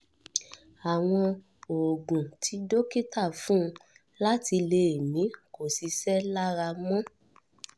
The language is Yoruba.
Àwọn oògùn tí dókítà fún láti lè mí kò ṣiṣẹ́ lára mọ.